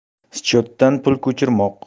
schyotdan pul ko'chirmoq